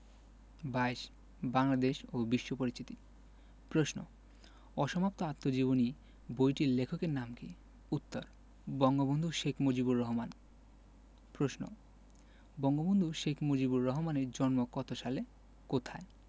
২২ বাংলাদেশ ও বিশ্ব পরিচিতি প্রশ্ন অসমাপ্ত আত্মজীবনী বইটির লেখকের নাম কী উত্তর বঙ্গবন্ধু শেখ মুজিবুর রহমান প্রশ্ন বঙ্গবন্ধু শেখ মুজিবুর রহমানের জন্ম কত সালে কোথায়